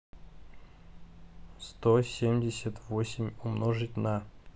сто семьдесят восемь умножить на